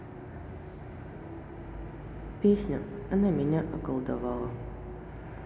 песня она меня околдовала